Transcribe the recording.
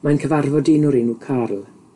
Mae'n cyfarfod dyn o'r enw Carl,